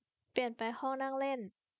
เปลี่ยนไปห้องนั่งเล่น